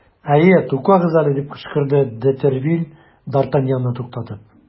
Әйе, тукагыз әле! - дип кычкырды де Тревиль, д ’ Артаньянны туктатып.